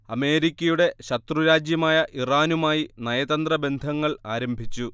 അമേരിക്കയുടെ ശത്രുരാജ്യമായ ഇറാനുമായി നയതന്ത്ര ബന്ധങ്ങൾ ആരംഭിച്ചു